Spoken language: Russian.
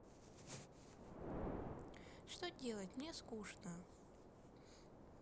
что делать мне скучно